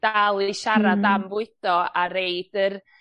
dal i siarad am fwydo a reid yr